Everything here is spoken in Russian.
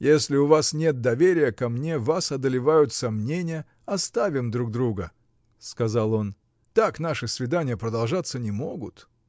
— Если у вас нет доверия ко мне, вас одолевают сомнения, оставим друг друга, — сказал он, — так наши свидания продолжаться не могут.